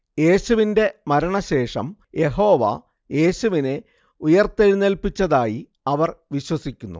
യേശുവിന്റെ മരണശേഷം യഹോവ യേശുവിനെ ഉയർത്തെഴുന്നേൽപ്പിച്ചതായി അവർ വിശ്വസിക്കുന്നു